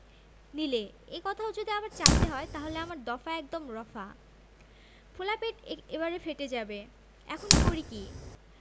নিলে এ কথাও যদি আবার চাপতে হয় তাহলে আমার দফা একদম রফা ফোলা পেট এবারে ফেটে যাবে এখন করি কী